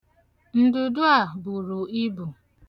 Ndudu a buru ibu.